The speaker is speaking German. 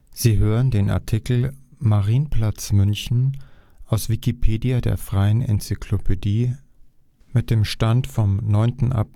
Sie hören den Artikel Marienplatz (München), aus Wikipedia, der freien Enzyklopädie. Mit dem Stand vom Der